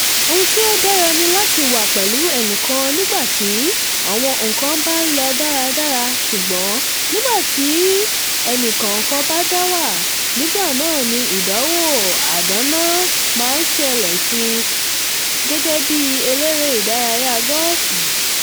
Ohun tí ó dára ni láti wà pẹ̀lú enìkan nígbàtí àwọn n[kan bá ńlọ dáradára, ṣùgbọ́n, nígbàtí o ẹ̀nìkọ̀ọ̀kan bá dá wà, nigbànáa ní ìdánwò àdánán máa ṣẹ̀lẹ̀ sí ọ̀ gẹ́gẹ́bí eléré ìdárayá gọ́ọ̀fù.